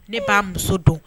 Ne b ba'a muso don